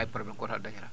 hay probléme gooto a dañataa